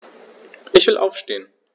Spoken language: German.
Ich will aufstehen.